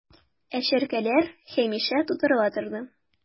Ә чәркәләр һәмишә тутырыла торды...